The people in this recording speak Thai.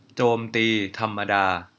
โจมตีธรรมดา